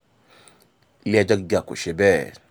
Ilé-ẹjọ́ Gíga kò ṣe bẹ́ẹ̀.